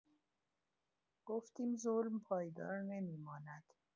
گفتیم ظلم پایدار نمی‌ماند.